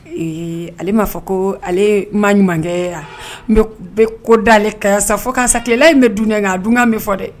Ee ale'a fɔ ko ale maa ɲumankɛ n bɛ ko dalen ale ka sa fo katila in bɛ dun kan a dunkan min fɔ dɛ